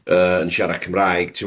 Yn siarad Cymraeg, t'b'o'?